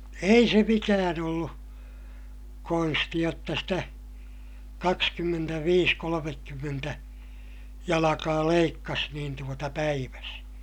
ei se mikään ollut konsti jotta sitä kaksikymmentäviisi kolmekymmentä jalkaa leikkasi niin tuota päivässä